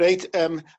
reit yym